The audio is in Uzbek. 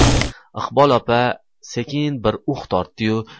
iqbol opa sekin bir uh tortdi